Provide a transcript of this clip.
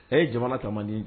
A ye jamana kama di